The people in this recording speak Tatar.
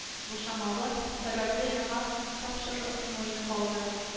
Бушамавы сәбәпле, яңа тапшырылмый калды